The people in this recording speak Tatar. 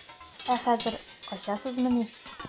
Ә хәзер качасызмыни?